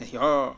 eyyoo